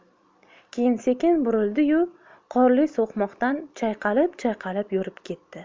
keyin sekin burildiyu qorli so'qmoqdan chayqalib chayqalib yurib ketdi